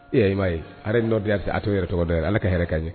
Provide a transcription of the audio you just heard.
Ee i m'a ye a yɛrɛ ye kɛ a to yɛrɛ tɔgɔ dɔn ye Ala ka hɛrɛ k'an ye